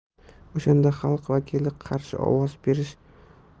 o'shanda xalq vakili qarshi ovoz berish